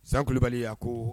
Salibaliya ko